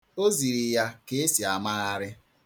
O ziri ya ka esi amagharị.